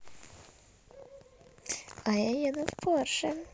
а я еду в порш